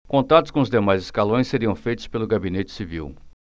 contatos com demais escalões seriam feitos pelo gabinete civil